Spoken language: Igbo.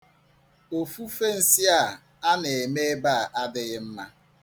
Ofufe nsị a a na-eme ebe adịghị mma.